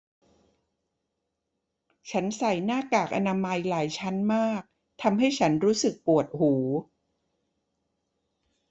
ฉันใส่หน้ากากอนามัยหลายชั้นมากทำให้ฉันรู้สึกปวดหู